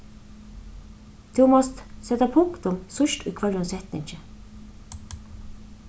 tú mást seta punktum síðst í hvørjum setningi